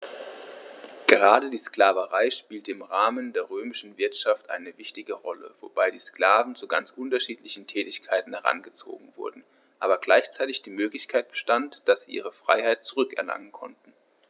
Gerade die Sklaverei spielte im Rahmen der römischen Wirtschaft eine wichtige Rolle, wobei die Sklaven zu ganz unterschiedlichen Tätigkeiten herangezogen wurden, aber gleichzeitig die Möglichkeit bestand, dass sie ihre Freiheit zurück erlangen konnten.